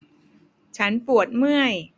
ฉันปวดเมื่อย